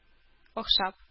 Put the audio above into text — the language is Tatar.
Охшап